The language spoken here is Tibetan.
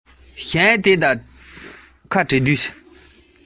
ཁེར རྐྱང ངང འོ མ འཐུང དགོས